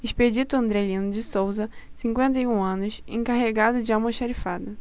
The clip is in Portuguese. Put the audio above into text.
expedito andrelino de souza cinquenta e um anos encarregado de almoxarifado